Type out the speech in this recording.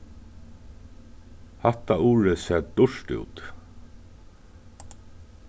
hatta urið sær dýrt út